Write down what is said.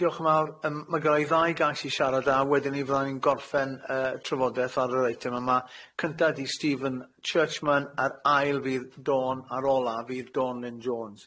Diolch yn fawr yym ma' gyrraedd ddau gais i siarad a wedyn i fyddan ni'n gorffen yy trafodeth ar yr eitem yma, cynta ydi Stephen Churchman a'r ail fydd Dawn ar ola fydd Dawn Lynn Jones.